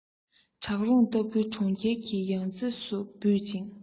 བྲག རོང ལྟ བུའི གྲོང ཁྱེར གྱི ཡང རྩེ རུ བུད ཅིང